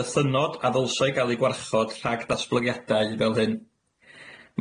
Bythynod a ddylsai gael ei gwarchod rhag datblygiadau fel hyn.